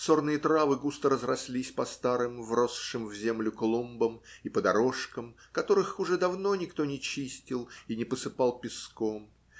сорные травы густо разрослись по старым, вросшим в землю клумбам и по дорожкам, которых уже давно никто не чистил и не посыпал песком.